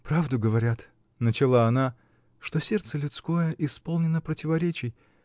-- Правду говорят, -- начала она, -- что сердце людское исполнено противоречий.